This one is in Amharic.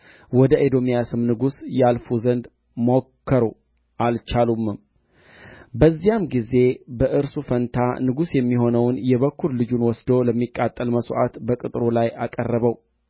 የሚያፈሩትንም ዛፎች ሁሉ ቈረጡ የቂርሐራሴትን ድንጋዮች ብቻ አስቀሩ ባለ ወንጭፎች ግን ከብበው መቱአት የሞዓብም ንጉሥ ሰልፍ እንደ በረታበት ባየ ጊዜ ሰይፍ የሚመዝዙ ሰባት መቶ ሰዎች ከእርሱ ጋር ወሰደ